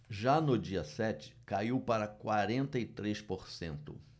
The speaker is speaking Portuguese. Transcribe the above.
já no dia sete caiu para quarenta e três por cento